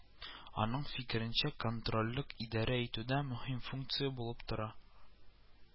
Аның фикеренчә, контрольлек идарә итүдә мөһим функция булып тора